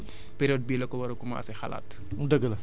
yooyu yëpp période bii la ko war a commencé xalaat